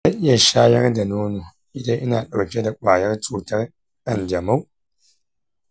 zan iya shayar da nono idan ina ɗauke da ƙwayar cutar kanjamau?